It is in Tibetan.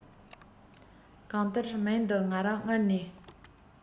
གང ལྟར མིང འདི ང རང མངལ ནས